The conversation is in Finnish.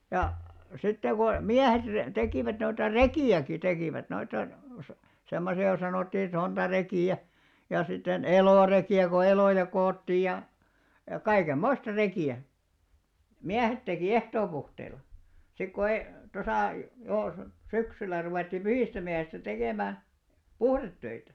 ja sitten kun miehet - tekivät noita rekiäkin tekivät noita - semmoisia kun sanottiin sontarekiä ja sitten elorekiä kun eloja koottiin ja ja kaikenmoista rekiä miehet teki ehtoopuhteilla sitten kun ei tuossa jo syksyllä ruvettiin pyhistämiehistä tekemään puhdetöitä